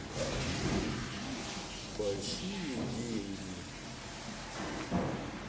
большие деньги